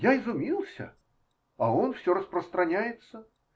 Я изумился, а он все распространяется.